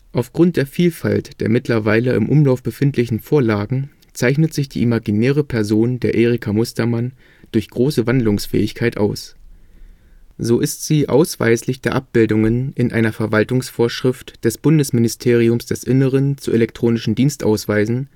Aufgrund der Vielfalt der mittlerweile im Umlauf befindlichen Vorlagen zeichnet sich die imaginäre Person der Erika Mustermann durch große Wandlungsfähigkeit aus. So ist sie ausweislich der Abbildungen in einer Verwaltungsvorschrift des Bundesministeriums des Innern zu elektronischen Dienstausweisen